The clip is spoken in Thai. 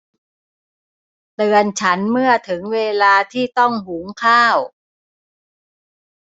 เตือนฉันเมื่อถึงเวลาที่ต้องหุงข้าว